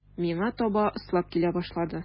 Миңа таба ыслап килә башлады.